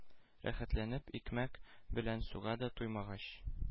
Рәхәтләнеп икмәк белән суга да туймагач,